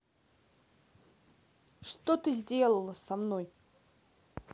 что ты сделала со мной